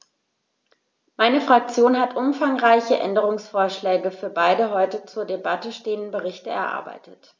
Meine Fraktion hat umfangreiche Änderungsvorschläge für beide heute zur Debatte stehenden Berichte erarbeitet.